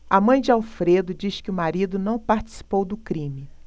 a mãe de alfredo diz que o marido não participou do crime